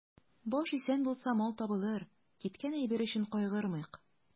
Баш исән булса, мал табылыр, киткән әйбер өчен кайгырмыйк.